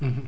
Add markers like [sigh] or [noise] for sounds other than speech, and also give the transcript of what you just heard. [hesitation] [hesitation]